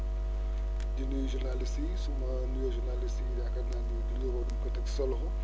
di nuyu journalistes yi su ma nuyoo journalistes yi yaakaar naa ni nuyoo boobu dañu koy teg sa loxo